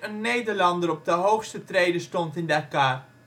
Nederlander op de hoogste trede stond in Dakar